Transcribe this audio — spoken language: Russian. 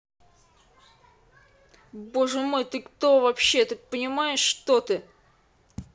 боже мой ты кто вообще ты понимаешь что ты